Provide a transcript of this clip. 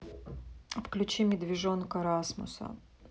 включи медвежонка расмуса